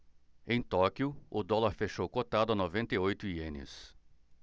em tóquio o dólar fechou cotado a noventa e oito ienes